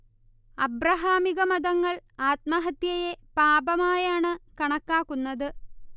അബ്രഹാമികമതങ്ങൾ ആത്മഹത്യയെ പാപമായാണ് കണക്കാക്കുന്നത്